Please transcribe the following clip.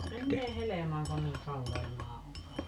menee helmaan kun niin kallellaan on